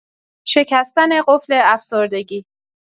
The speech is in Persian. شکستن قفل افسردگی